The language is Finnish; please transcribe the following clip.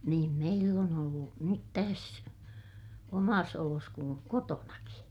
niin meillä on ollut nyt tässä omassa olossa kuin kotonakin